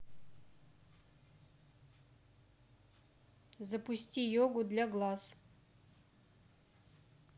запусти йогу для глаз